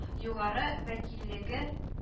Югары вәкиллеге